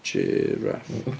Jiráff.